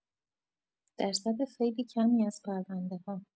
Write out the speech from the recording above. درصد خیلی کمی از پرونده‌‌ها